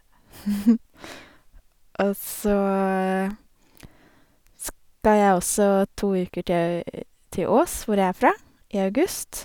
Og så skal jeg også to uker til til Ås, hvor jeg er fra, i august.